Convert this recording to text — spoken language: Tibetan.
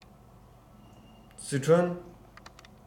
སི ཁྲོན